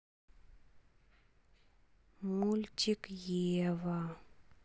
мультик ева